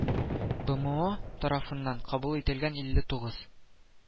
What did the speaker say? БМО тарафыннан кабул ителгән илле тугыз